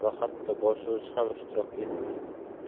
va hatto boshlovchi ham ishtirok etdi